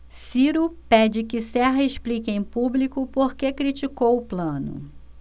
ciro pede que serra explique em público por que criticou plano